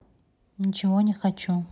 не хочу ничего